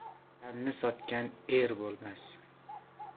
vatanni sotgan er bo'lmas